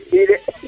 i de